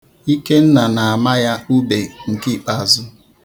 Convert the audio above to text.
Ikenna na-ama ya ube nke ikpeazụ.